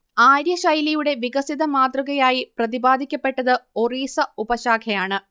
ആര്യ ശൈലിയുടെ വികസിത മാതൃകയായി പ്രതിപാദിക്കപ്പെട്ടത് ഒറീസ ഉപശാഖയാണ്